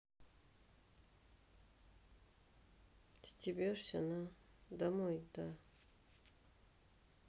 стебешься на домой да